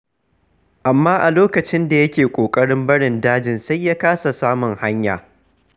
Amma a lokacin da yake ƙoƙarin barin dajin, sai ya kasa samun hanya.